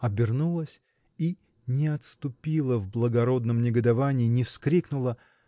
обернулась и – не отступила в благородном негодовании не вскрикнула!